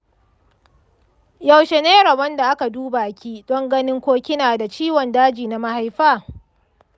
yaushe ne rabon da aka duba ki don ganin ko kina da ciwon daji na mahaifa?